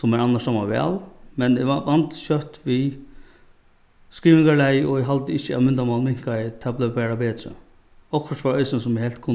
sum mær annars dámar væl men eg vandist skjótt við skrivingarlagið og eg haldi ikki at myndamálið minkaði tað bleiv bara betri okkurt var eisini sum eg helt